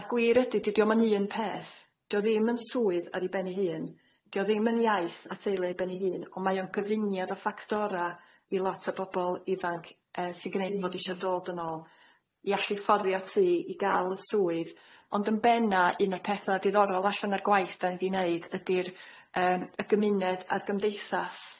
A'r gwir ydi dydi o'm yn un peth dio ddim yn swydd ar ei ben ei hun dio ddim yn iaith a theulu ar ben ei hun on' mae o'n gyfuniad o ffactora i lot o bobol ifanc yy sy'n gneud fod isio dod yn ôl i allu fforddio tŷ i ga'l y swydd ond yn bena un o'r petha diddorol allan o'r gwaith dan ni di neud ydi'r yym y gymuned a'r gymdeithas.